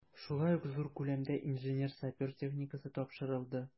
Шулай ук зур күләмдә инженер-сапер техникасы тапшырылды.